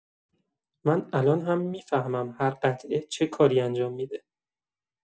من الان هم می‌فهمم هر قطعه چه کاری انجام می‌ده.